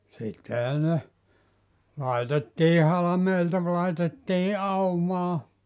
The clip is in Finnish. sittenhän ne laitettiin halmeilta - laitettiin aumaan